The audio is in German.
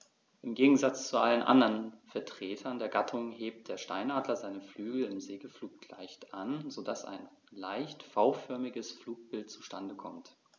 Im Gegensatz zu allen anderen Vertretern der Gattung hebt der Steinadler seine Flügel im Segelflug leicht an, so dass ein leicht V-förmiges Flugbild zustande kommt.